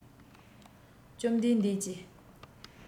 ཆང དེ ཉེས པ ཀུན གྱི རྩ བ ཡིན